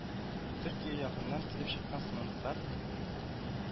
Төркия ягыннан килеп чыккан самолетлар